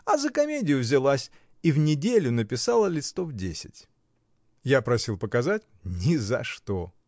А за комедию взялась и в неделю написала листов десять: я просил показать — ни за что!